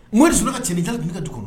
Mori sɔrɔ ka cɛn i da tun i ka du kɔnɔ